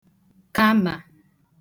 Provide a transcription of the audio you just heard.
kamà